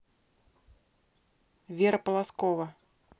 вера полоскова